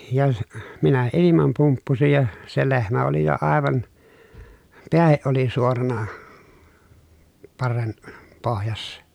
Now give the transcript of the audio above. ja minä ilman pumppusin ja se lehmä oli jo aivan pääkin oli suorana parren pohjassa